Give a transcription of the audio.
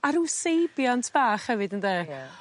A rw seibiant bach hefyd ynde? Ie.